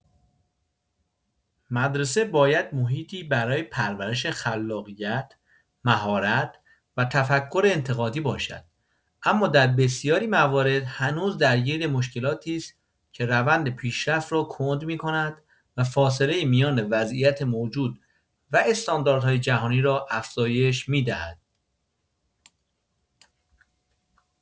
مدرسه باید محیطی برای پرورش خلاقیت، مهارت و تفکر انتقادی باشد، اما در بسیاری موارد هنوز درگیر مشکلاتی است که روند پیشرفت را کند می‌کند و فاصله میان وضعیت موجود و استانداردهای جهانی را افزایش می‌دهد.